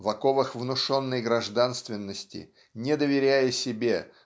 В оковах внушенной гражданственности не доверяя себе